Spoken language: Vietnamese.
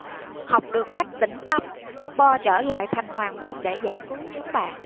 học được cách tĩnh tâm po trở lại thành hoàng môn để giải cứu nhóm bạn